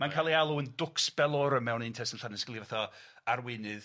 Mae'n cael ei alw yn dwcsbelwrwm mewn un testun fath o arweinydd